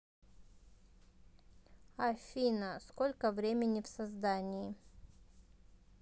афина сколько времени в создании